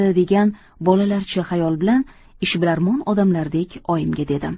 degan bolalarcha xayol bilan ishbilarmon odamlardek oyimga dedim